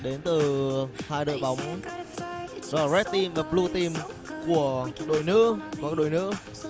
đến từ hai đội bóng đó là rét tin và bờ lu tin của đội nữ vâng đội nữ